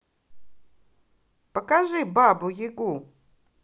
покажи бабу ягу